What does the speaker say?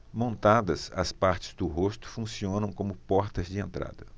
montadas as partes do rosto funcionam como portas de entrada